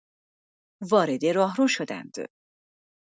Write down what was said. وارد راهرو شدند.